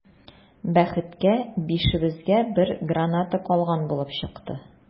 Бәхеткә, бишебезгә бер граната калган булып чыкты.